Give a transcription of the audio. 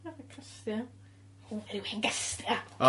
Fatha castia'? Ww, rhyw hen gastia'?